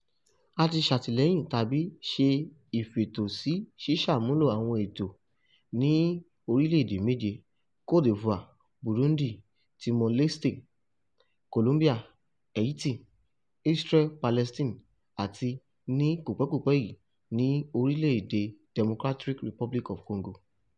A ti ṣàtìlẹ́yìn tàbí ṣe ìfétòsí sísàmúlò àwọn ètò ní orílẹ̀ èdè méje: Cote d'Ivoire, Burundi, Timor Leste, Colombia, Haiti, Isreal-Palestine àti, ní kòpẹ́kòpẹ́ yìí, ní orílẹ̀ èdè Democratic Republic of Congo.